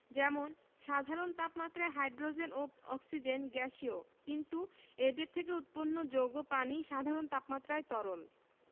যেমন সাধারণ তাপমাত্রায় হাইড্রোজেন ও অক্সিজেন গ্যাসীয় কিন্তু এদের থেকে উৎপন্ন যৌগ পানি সাধারণ তাপমাত্রায় তরল